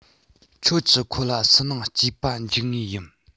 ཁྱོད ཀྱིས ཁོ ལ སུན སྣང སྐྱེས པ འཇུག ངེས ཡིན